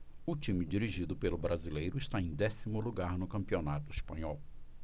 o time dirigido pelo brasileiro está em décimo lugar no campeonato espanhol